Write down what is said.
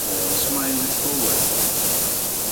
Play ar eiria fel. Smile it forward.